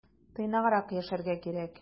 Тыйнаграк яшәргә кирәк.